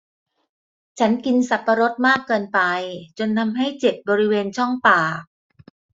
ฉันกินสับปะรดมากเกินไปจนทำให้เจ็บบริเวณช่องปาก